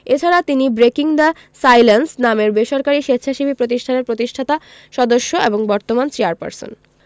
এ ছাড়া তিনি breaking the silence নামের বেসরকারি স্বেচ্ছাসেবী প্রতিষ্ঠানের প্রতিষ্ঠাতা সদস্য এবং বর্তমান চেয়ারপারসন